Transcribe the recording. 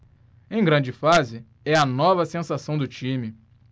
em grande fase é a nova sensação do time